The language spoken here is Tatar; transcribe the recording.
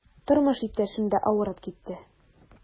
Тормыш иптәшем дә авырып китте.